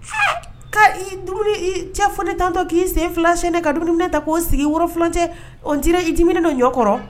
Ka cɛ fɔ tantɔ k'i sen fila sene ka dumuniminɛ ta k'o sigi worofi cɛ o di i diini ɲɔ kɔrɔ